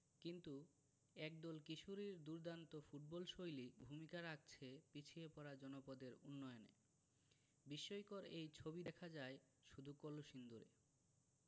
কিন্তু একদল কিশোরীর দুর্দান্ত ফুটবলশৈলী ভূমিকা রাখছে পিছিয়ে পড়া জনপদের উন্নয়নে বিস্ময়কর এই ছবি দেখা যায় শুধু কলসিন্দুরে